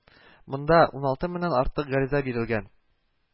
Монда уналты меңнән артык гариза бирелгән